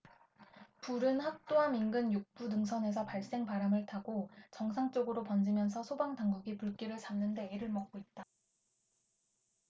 불은 학도암 인근 육 부 능선에서 발생 바람을 타고 정상 쪽으로 번지면서 소방당국이 불길을 잡는 데 애를 먹고 있다